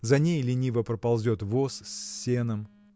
за ней лениво проползет воз с сеном.